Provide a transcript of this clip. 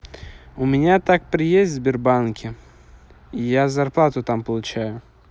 у меня так при есть в сбербанке я зарплату там получаю